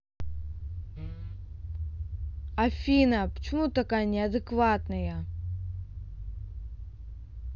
афина почему ты такая неадекватная